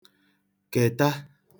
-kèta